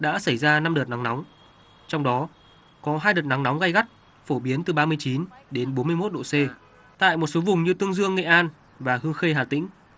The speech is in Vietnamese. đã xảy ra năm đợt nắng nóng trong đó có hai đợt nắng nóng gay gắt phổ biến từ ba mươi chín đến bốn mươi mốt độ xê tại một số vùng như tương dương nghệ an và hương khê hà tĩnh